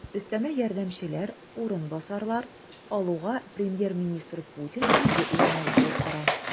Өстәмә ярдәмчеләр, урынбасарлар алуга премьер-министр Путин үзе үрнәк булып тора.